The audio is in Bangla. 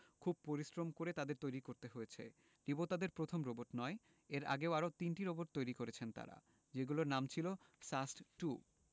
খুব পরিশ্রম করে তাদের তৈরি করতে হয়েছে রিবো তাদের প্রথম রোবট নয় এর আগে আরও তিনটি রোবট তৈরি করেছে তারা যেগুলোর নাম ছিল সাস্ট টু